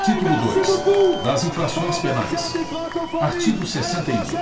título dois das infrações penais artigo sessenta e um